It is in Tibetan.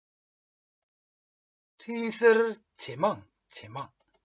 འཕྲིན གསར ཇེ མང ཇེ མང